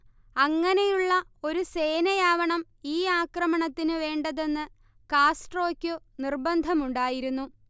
അങ്ങനെയുള്ള ഒരു സേനയാവണം ഈ ആക്രമണത്തിനു വേണ്ടതെന്ന് കാസ്ട്രോയക്കു നിർബന്ധമുണ്ടായിരുന്നു